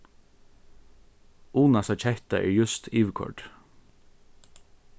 unasa ketta er júst yvirkoyrd